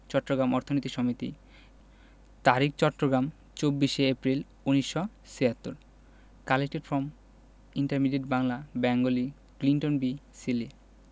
চট্টগ্রাম অর্থনীতি সমিতি তারিখ চট্টগ্রাম ২৪শে April ১৯৭৬ collected from intermediate Bangla Bengali Clinton B Seely